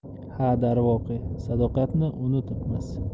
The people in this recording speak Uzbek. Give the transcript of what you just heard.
ha darvoqe sadoqatni unutibmiz